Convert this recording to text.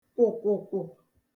kwụ̀kwụ̀kwụ̀